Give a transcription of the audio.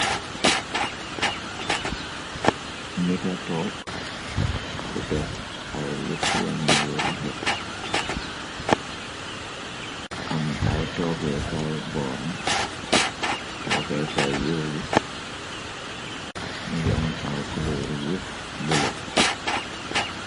Nita toog bu def ay lutiwanyu rafit am ay toogekaay boorn toogekay yooyi ngi am ay kuler yu bu la.